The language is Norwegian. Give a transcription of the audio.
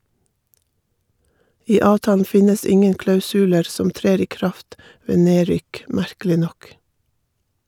I avtalen finnes ingen klausuler som trer i kraft ved nedrykk, merkelig nok.